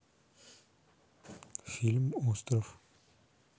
фильм осторв